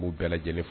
U' bɛɛ lajɛlen